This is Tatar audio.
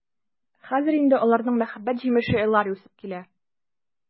Хәзер инде аларның мәхәббәт җимеше Эллари үсеп килә.